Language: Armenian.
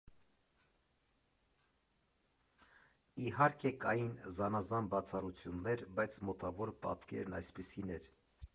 Իհարկե, կային զանազան բացառություններ, բայց մոտավոր պատկերն այսպիսին էր։